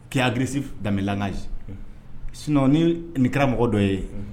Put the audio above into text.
Cɛyakirisi da ye sina ni kɛra mɔgɔ dɔ ye